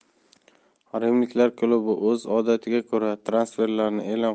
rimliklar klubi o'z odatiga ko'ra transferlarni e'lon